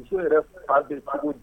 Muso yɛrɛ fa bɛ cogo